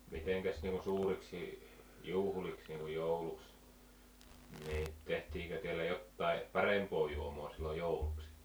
mitenkäs niin kuin suuriksi juhliksi niin kuin jouluksi niin tehtiinkö täällä jotakin parempaa juomaa silloin jouluksi